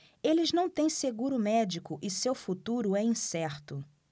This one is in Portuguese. eles não têm seguro médico e seu futuro é incerto